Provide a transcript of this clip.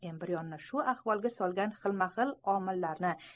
embrionni shu ahvolga solgan xilma xil omillarni